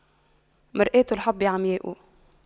مرآة الحب عمياء